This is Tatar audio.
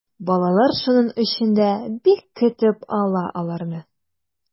Балалар шуның өчен дә бик көтеп ала аларны.